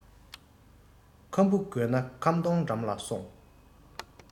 ཁམ བུ དགོས ན ཁམ སྡོང འགྲམ ལ སོང